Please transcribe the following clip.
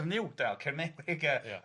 Cernyw dal, Cernygriga ia.